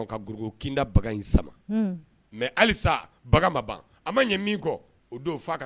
Mɛ ban a ma ɲɛ kɔ o don